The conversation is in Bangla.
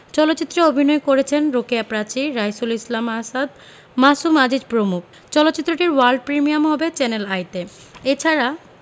চলচ্চিত্রে অভিনয় করেছেন রোকেয়া প্রাচী রাইসুল ইসলাম আসাদ মাসুম আজিজ প্রমুখ চলচ্চিত্রটির ওয়ার্ল্ড প্রিমিয়াম হবে চ্যানেল আইতে এ ছাড়া